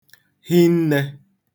hinnē